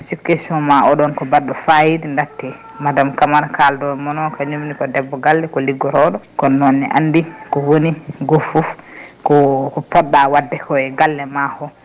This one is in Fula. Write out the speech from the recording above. sikku question ma oɗon ko baɗɗo fayida dakhte madame Camara kaldowo e moon o kañumne ko debbo galle ko liggotiɗo kono noon ne andi ko woni goto foof ko ko poɗɗa wadde koye e gallema ko